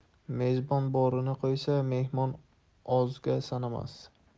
mezbon borini qo'ysa mehmon ozga sanamas